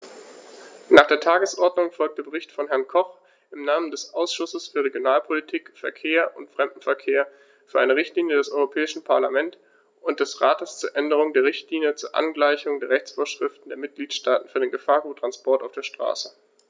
Nach der Tagesordnung folgt der Bericht von Herrn Koch im Namen des Ausschusses für Regionalpolitik, Verkehr und Fremdenverkehr für eine Richtlinie des Europäischen Parlament und des Rates zur Änderung der Richtlinie zur Angleichung der Rechtsvorschriften der Mitgliedstaaten für den Gefahrguttransport auf der Straße.